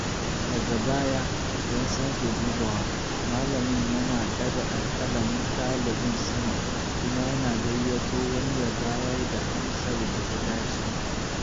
Daga baya, don sake dubawa, malamin yana ɗaga alkalamin ɗalibin sama kuma yana gayyato wani ya bayar da amsar da ta dace